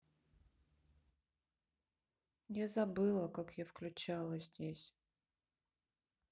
я забыла как я включала здесь